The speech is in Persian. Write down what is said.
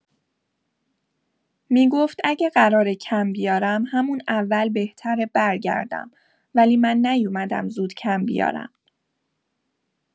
می‌گفت «اگه قراره کم بیارم، همون اول بهتره برگردم، ولی من نیومدم زود کم بیارم.»